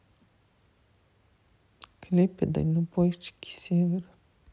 клипы дальнобойщики севера